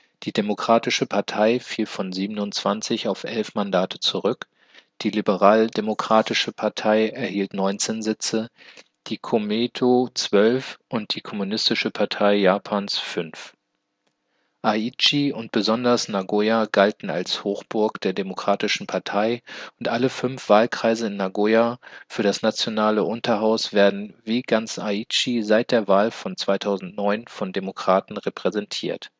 die Demokratische Partei fiel von 27 auf elf Mandate zurück, die Liberaldemokratische Partei erhielt 19 Sitze, die Kōmeitō zwölf und die Kommunistische Partei Japans fünf. Aichi und besonders Nagoya galten als Hochburg der Demokratischen Partei, und alle fünf Wahlkreise in Nagoya für das nationale Unterhaus werden wie ganz Aichi seit der Wahl von 2009 von Demokraten repräsentiert